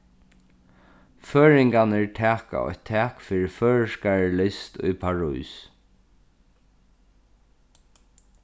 føroyingarnir taka eitt tak fyri føroyskari list í parís